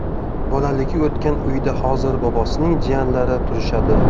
bolaligi o'tgan uyda hozir bobosining jiyanlari turishadi